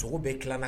Sogo bɛ tila